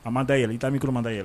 A ma da yɛlɛ, i ka micro ma da yɛlɛ.